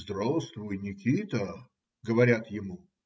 "Здравствуй, Никита, - говорят ему.